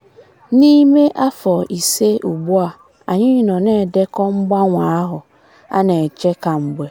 MKH: N'ime afọ ise ugbu a anyị nọ na-edekọ mgbanwe ahụ a na-eche kemgbe.